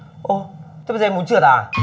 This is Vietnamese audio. ô thế bây giờ em muốn trượt à